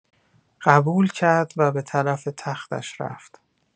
قبول کرد و به‌طرف تختش رفت.